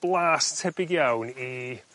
blas tebyg iawn i